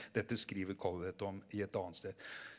dette skriver Collett om i et annet sted.